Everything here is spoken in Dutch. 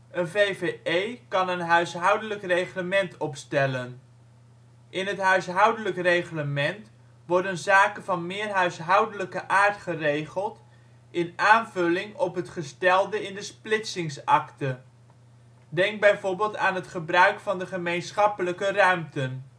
Een VvE kan een " huishoudelijk reglement " opstellen. In het huishoudelijk reglement worden zaken van meer huishoudelijke aard geregeld in aanvulling op het gestelde in de splitsingsakte. Denk bijvoorbeeld aan het gebruik van de gemeenschappelijke ruimten